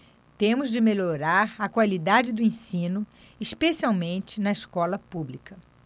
temos de melhorar a qualidade do ensino especialmente na escola pública